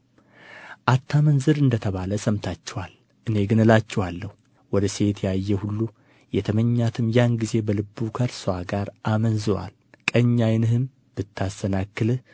አታመንዝር እንደ ተባለ ሰምታችኋል እኔ ግን እላችኋለሁ ወደ ሴት ያየ ሁሉ የተመኛትም ያን ጊዜ በልቡ ከእርስዋ ጋር አመንዝሮአል ቀኝ ዓይንህም ብታሰናክልህ